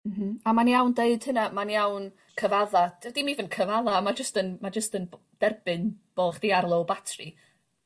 Mhm a mae'n iawn deud hynna mae'n iawn cyfadda dydi'm even cyfadda ma' jyst yn ma' jyst yn b- derbyn bo' chdi ar low batri.